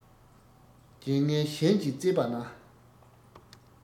རྒྱལ ངན གཞན གྱིས གཙེས པ ན